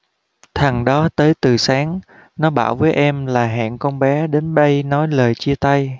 thằng đó tới từ sáng nó bảo với em là hẹn con bé đến đây nói lời chia tay